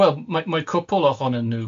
Wel mae mae cwpwl ohonyn nhw.